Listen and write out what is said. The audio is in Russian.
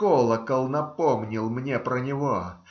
Колокол напомнил мне про него.